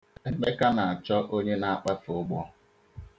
Emeka na-achọ onye na-akpafe ụgbọ.